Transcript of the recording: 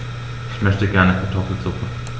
Ich möchte gerne Kartoffelsuppe.